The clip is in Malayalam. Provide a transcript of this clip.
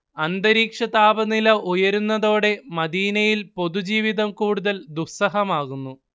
അന്തരീക്ഷതാപനില ഉയരുന്നതോടെ മദീനയിൽ പൊതുജീവിതം കുടുതൽ ദുസ്സഹമാകുന്നു